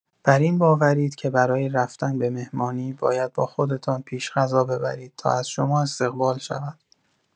بر این باورید که برای رفتن به مهمانی باید با خودتان پیش‌غذا ببرید تا از شما استقبال شود.